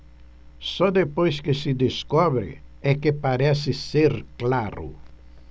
só depois que se descobre é que parece ser claro